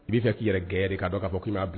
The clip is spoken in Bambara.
I bɛ fɛ k'i yɛrɛ jɛya de k'a dɔn ka fɔ k'i m'a bila.